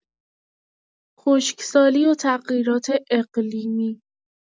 خشکسالی و تغییرات اقلیمی